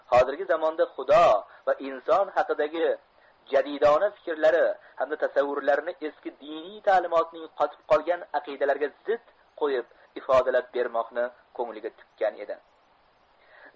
hozirgi zamonda xudo va inson haqidagi jadidona fikrlari hamda tasavvurlarini eski diniy talimotning qotib qolgan aqidalariga zid qo'yib ifodalab bermoqni ko'ngliga tukkan edi